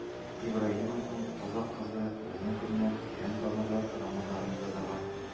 Ибраһимовның «Казакъ кызы», «Безнең көннәр», «Тирән тамырлар» романнарында да бар.